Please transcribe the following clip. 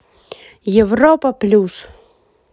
европа плюс